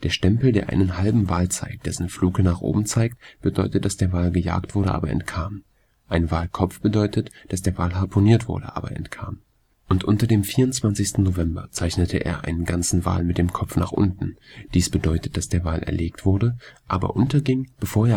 Stempel, der einen halben Wal zeigt, dessen Fluke nach oben zeigt, bedeutet, dass der Wal gejagt wurde, aber entkam. Ein Walkopf bedeutete, dass der Wal harpuniert wurde, aber entkam. Und unter dem 24. November zeichnet er einen ganzen Wal mit dem Kopf nach unten, dies bedeutet, dass der Wal erlegt wurde, aber unterging, bevor